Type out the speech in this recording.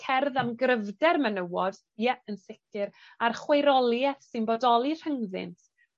cerdd am gryfder menywod, ie yn sicir, a'r chwaerolieth sy'n bodoli rhyngddynt